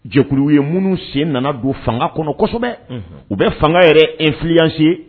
Jɛkuluw ye, minnu sen nana don fanga kɔnɔ kosɛbɛ ! Unhun. U bɛ fanga yɛrɛ influencé